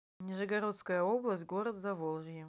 нижегородская область город заволжье